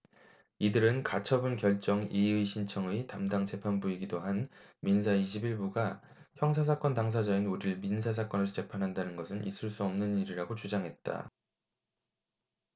이들은 가처분 결정 이의신청의 담당 재판부이기도 한 민사 이십 일 부가 형사사건 당사자인 우리를 민사사건에서 재판한다는 것은 있을 수 없는 일이라고 주장했다